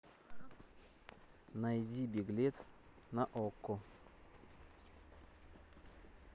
найди беглец на окко